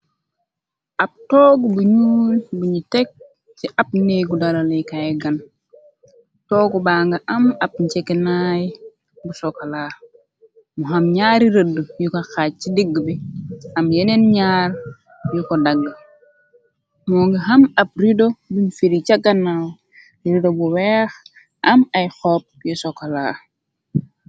Ab toog buñuu buñu tekg ci ab néegu daralekaay gan toogu ba nga am ab njeginaay bu sokolaa mu xam ñaari rëdd yu ko xaaj ci diggi bi am yeneen ñaar yu ko dagg moo ngi xam ab rido buñ firi cagganaaw rido bu weex am ay xoob yu sokala.